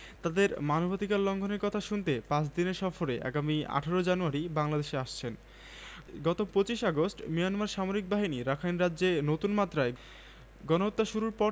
গ্রামবাসীকে হুমকি দেওয়ায় এবং সন্ত্রাসীরা উসকানি দেওয়ায় এ ঘটনা ঘটে বিবিসির প্রতিবেদনে বলা হয়েছে মিয়ানমার সামরিক বাহিনী যে অন্যায় করেছে তার বিরল স্বীকারোক্তি এটি